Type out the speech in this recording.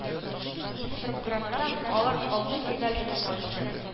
Димитровградтан алар алтын медаль белән кайтты